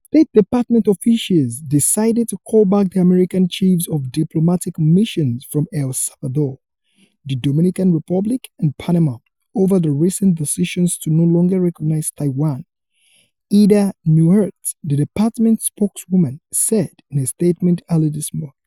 State Department officials decided to call back the American chiefs of diplomatic missions from El Salvador, the Dominican Republic and Panama over the "recent decisions to no longer recognize Taiwan," Heather Nauert, the department's spokeswoman, said in a statement early this month.